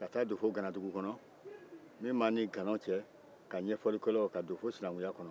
ka taa don fɔ ganadugu kɔnɔ min b'an ni ganaw cɛ ka ɲɛfɔli k'o kan ka don fɔ sinankunya kɔnɔ